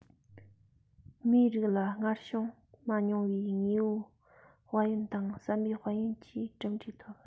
མིའི རིགས ལ སྔར བྱུང མ མྱོང བའི དངོས པོའི དཔལ ཡོན དང བསམ པའི དཔལ ཡོན གྱི གྲུབ འབྲས ཐོབ